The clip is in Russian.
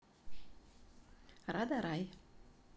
рада рай